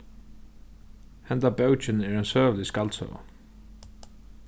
henda bókin er ein søgulig skaldsøga